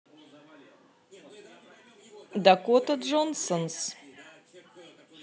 дакота джонсонс